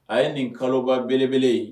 A' ye nin kaloba belebele ye